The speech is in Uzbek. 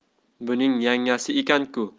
buning yangasi ekanku